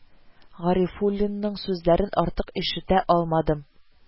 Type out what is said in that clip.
Гарифул-линның сүзләрен артык ишетә алмадым